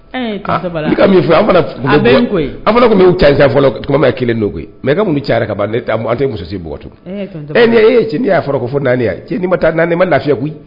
Kelen koyi ca tɛ muso situ cɛn y'a ko fɔ naani taa naani ma lafiya koyi